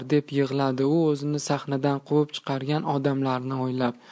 deb o'yladi u o'zini sahnadan quvib chiqargan odamlarni o'ylab